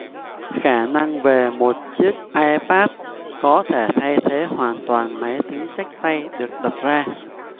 khả năng về một chiếc ipad có thể thay thế hoàn toàn máy tính xách tay được đặt ra